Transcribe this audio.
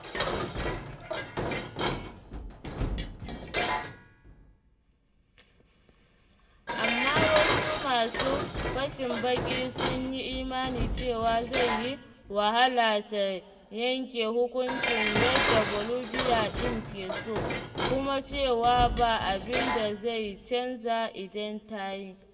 Amma wasu masu fashin baƙi sun yi imani cewa zai yi wahala ta yanke hukunci yadda Bolivia ɗin ke so - kuma cewa ba abin da zai canza idan ta yi.